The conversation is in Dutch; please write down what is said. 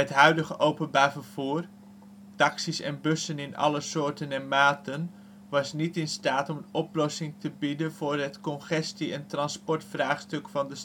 huidige openbaar vervoer, taxi 's en bussen in alle soorten en maten, was niet in staat om een oplossing te bieden voor het congestie - en transportvraagstuk van de